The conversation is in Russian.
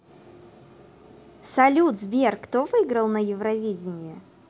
салют сбер кто выиграл на евровидение